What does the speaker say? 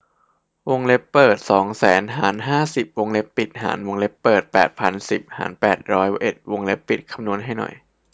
วงเล็บเปิดสองแสนหารห้าสิบวงเล็บปิดหารวงเล็บเปิดแปดพันสิบหารแปดร้อยเอ็ดวงเล็บปิดคำนวณให้หน่อย